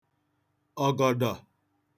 ọ̀gọ̀dọ̀